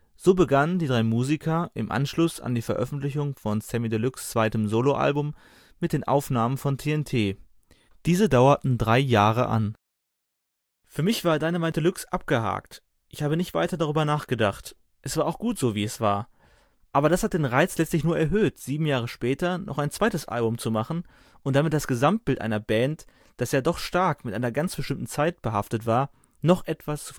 So begannen die drei Musiker im Anschluss an die Veröffentlichung von Samy Deluxe zweitem Soloalbum mit den Aufnahmen von TNT. Diese dauerten drei Jahre an. „ Für mich war DD abgehakt, ich habe nicht weiter darüber nachgedacht. Es war auch gut so, wie’ s war. Aber das hat den Reiz letztlich nur erhöht, sieben Jahre später noch ein zweites Album zu machen und damit das Gesamtbild einer Band, das ja doch stark mit einer ganz bestimmten Zeit behaftet war, noch etwas